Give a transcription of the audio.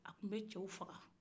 a tun bɛ cɛw faga